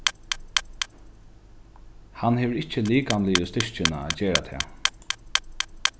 hann hevur ikki likamligu styrkina at gera tað